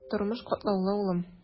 Тормыш катлаулы, улым.